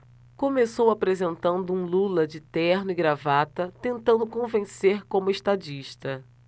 começou apresentando um lula de terno e gravata tentando convencer como estadista